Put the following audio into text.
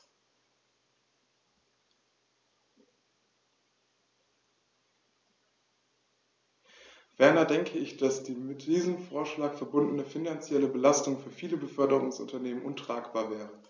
Ferner denke ich, dass die mit diesem Vorschlag verbundene finanzielle Belastung für viele Beförderungsunternehmen untragbar wäre.